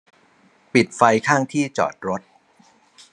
ปิดไฟข้างที่จอดรถ